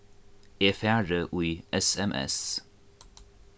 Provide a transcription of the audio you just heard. eg fari í sms